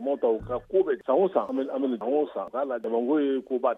U maa aa, u bɛ taa ko bɛɛ, san o san an bɛ nin an bɛ nin, voila damanko ye ko ba de ye.